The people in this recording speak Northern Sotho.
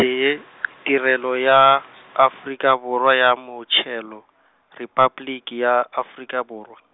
tee, Tirelo ya Afrika Borwa ya Motšhelo, Repabliki ya Afrika Borwa.